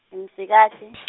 Ngimsikati.